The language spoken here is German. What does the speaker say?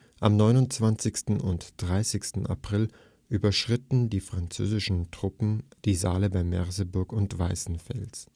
Am 29. und 30. April überschritten die französischen Truppen die Saale bei Merseburg und Weißenfels